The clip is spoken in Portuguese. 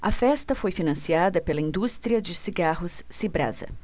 a festa foi financiada pela indústria de cigarros cibrasa